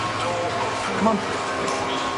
C'mon.